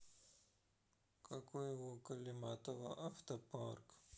какой у калиматова автопарк